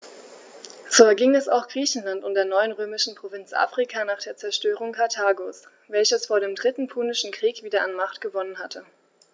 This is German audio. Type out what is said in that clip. So erging es auch Griechenland und der neuen römischen Provinz Afrika nach der Zerstörung Karthagos, welches vor dem Dritten Punischen Krieg wieder an Macht gewonnen hatte.